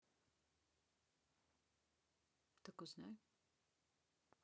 так узнай